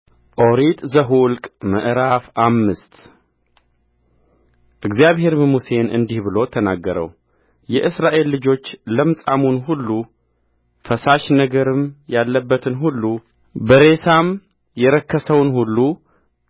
ኦሪት ዘኍልቍ ምዕራፍ አምስት እግዚአብሔርም ሙሴን እንዲህ ብሎ ተናገረውየእስራኤል ልጆች ለምጻሙን ሁሉ ፈሳሽ ነገርም ያለበትን ሁሉ በሬሳም የረከሰውን ሁሉ